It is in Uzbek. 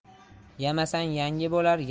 yamasang yangi bo'lar